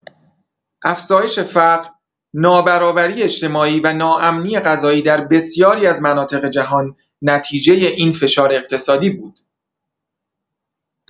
افزایش فقر، نابرابری اجتماعی و ناامنی غذایی در بسیاری از مناطق جهان نتیجه این فشار اقتصادی بود.